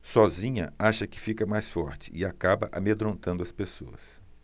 sozinha acha que fica mais forte e acaba amedrontando as pessoas